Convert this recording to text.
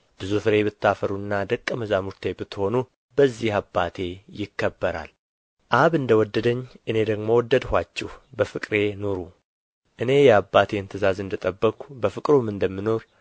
ብዙ ፍሬ ብታፈሩና ደቀ መዛሙርቴ ብትሆኑ በዚህ አባቴ ይከበራል አብ እንደ ወደደኝ እኔ ደግሞ ወደድኋችሁ በፍቅሬ ኑሩ እኔ የአባቴን ትእዛዝ እንደ ጠበቅሁ በፍቅሩም እንደምኖር